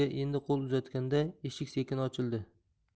endi qo'l uzatganda eshik sekin ochildi